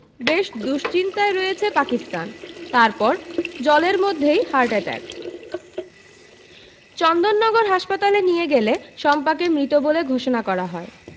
বেশ দুশ্চিন্তায় রয়েছে পাকিস্তান তারপর জলের মধ্যেই হার্ট অ্যাটাক চন্দননগর হাসপাতালে নিয়ে গেলে শম্পাকে মৃত বলে ঘোষণা করা হয়